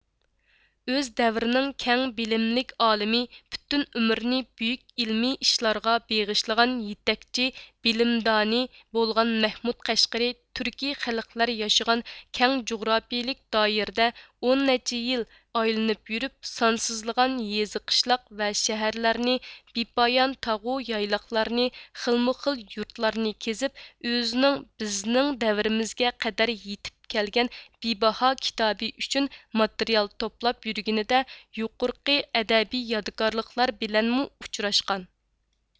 ئۆز دەۋرىنىڭ كەڭ بىلىملىك ئالىمى پۈتۈن ئۆمرىنى بۈيۈك ئىلمىي ئىشلارغا بېغىشلىغان يېتەكچى بىلىمدانى بولغان مەھمۇد قەشقىرى تۈركىي خەلقلەر ياشىغان كەڭ جۇغراپىيلىك دائىرىدە ئون نەچچە يىل ئايلىنىپ يۈرۈپ سانسىزلىغان يېزا قىشلاق ۋە شەھەرلەرنى بىپايان تاغۇ يايلاقلارنى خىلمۇ خىل يۇرتلارنى كېزىپ ئۆزىنىڭ بىزنىڭ دەۋرىمىزگە قەدەر يېتىپ كەلگەن بىباھا كىتابى ئۈچۈن ماتېرىيال توپلاپ يۈرگىنىدە يۇقىرىقى ئەدەبىي يادىكارلىقلار بىلەنمۇ ئۇچراشقان